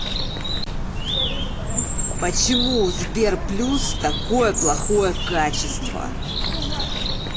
почему у сбер плюс такое плохое качество